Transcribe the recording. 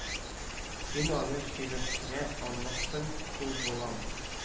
Син аны сөйләштерә алмассың шул балам